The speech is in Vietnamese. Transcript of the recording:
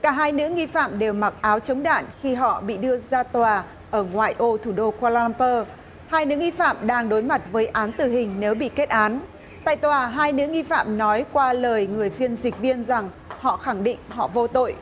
cả hai nữ nghi phạm đều mặc áo chống đạn khi họ bị đưa ra tòa ở ngoại ô thủ đô qua lam bơ hai nữ nghi phạm đang đối mặt với án tử hình nếu bị kết án tại tòa hai nữ nghi phạm nói qua lời người phiên dịch viên rằng họ khẳng định họ vô tội